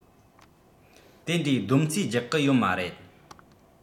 དེ འདྲའི སྡོམ རྩིས རྒྱགས གི ཡོད མ རེད